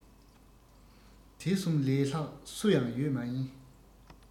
དེ གསུམ ལས ལྷག སུ ཡང ཡོད པ མིན